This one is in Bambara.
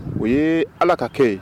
U ye ala ka kɛ